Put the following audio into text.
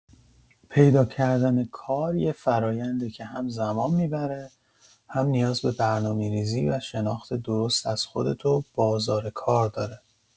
پیدا کردن کار یه فرآینده که هم‌زمان می‌بره، هم نیاز به برنامه‌ریزی و شناخت درست از خودت و بازار کار داره.